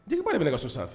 Jeliba de bɛna ne ka sososa